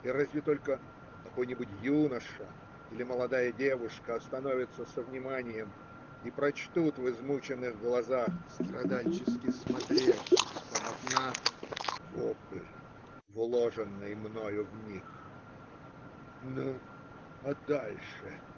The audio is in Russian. И разве только какой-нибудь юноша или молодая девушка остановятся со вниманием и прочтут в измученных глазах, страдальчески смотрящих с полотна, вопль, вложенный мною в них. Ну, а дальше?